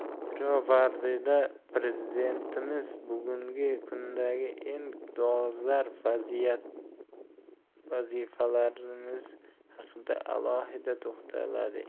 pirovardida prezidentimiz bugungi kundagi eng dolzarb vazifalarimiz haqida alohida to'xtaldi